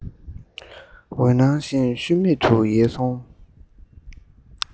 འོད སྣང བཞིན ཤུལ མེད དུ ཡལ སོང